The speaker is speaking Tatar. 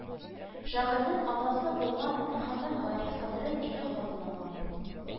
Шагыйрьнең атасы булган Мөхәммәтгариф хәзрәт ике хатын алган